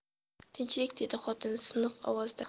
tinchlik dedi xotini siniq ovozda